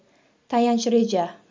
tayanch reja